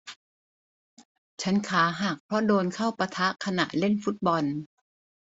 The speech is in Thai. ฉันขาหักเพราะโดนเข้าปะทะขณะเล่นฟุตบอล